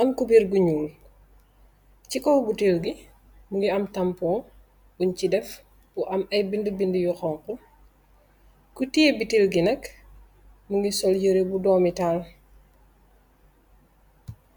an ku bir gu ñuul ci kaw buteew gi mu ngi am tampoŋ buñ ci def bu am ay bind-bind yu xonku ku tie bitew gi nakk mu ngi sol yëre bu doomitaal.